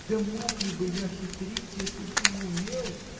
– Да мог ли бы я хитрить, если б и умел?